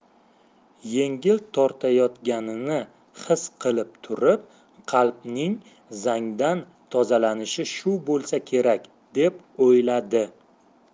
yengil tortayotganini his qilib turib qalbning zangdan tozalanishi shu bo'lsa kerak deb o'yladi